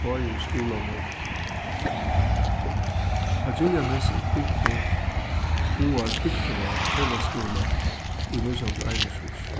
báðir skúlarnir á giljanesi bygdu báðar bygdirnar felagsskúla í nítjan hundrað og einogtrýss